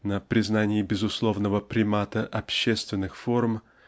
на признании безусловного примата общественных форм,